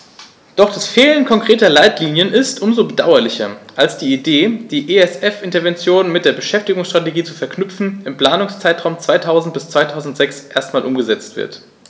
Doch das Fehlen konkreter Leitlinien ist um so bedauerlicher, als die Idee, die ESF-Interventionen mit der Beschäftigungsstrategie zu verknüpfen, im Planungszeitraum 2000-2006 erstmals umgesetzt wird.